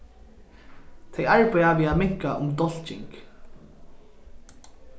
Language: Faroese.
tey arbeiða við at minka um dálking